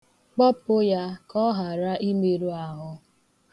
Kpọpu ya ka ọ ghara imeru ahụ.